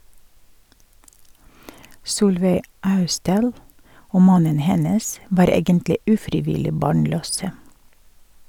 Solveig Austdal og mannen hennes var egentlig ufrivillig barnløse.